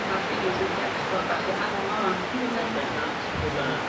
ma' see vees weithie'n gallu bo' bach y' wahanol fama. Ydyn. O bendant ydyw dad.